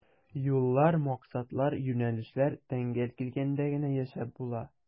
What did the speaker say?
Юллар, максатлар, юнәлешләр тәңгәл килгәндә генә яшәп була.